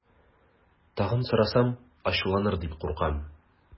Тагын сорасам, ачуланыр дип куркам.